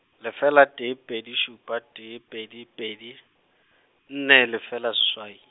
lefela tee pedi šupa tee pedi pedi, nne lefela seswai.